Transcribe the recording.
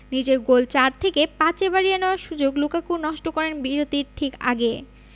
নিজের গোল চার থেকে পাঁচে বাড়িয়ে নেওয়ার সুযোগ লুকাকু নষ্ট করেন বিরতির ঠিক আগে